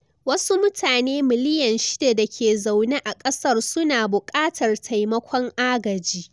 Wasu mutane miliyan shida da ke zaune a kasar su na bukatar taimakon agaji.